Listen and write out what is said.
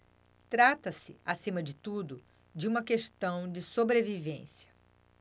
trata-se acima de tudo de uma questão de sobrevivência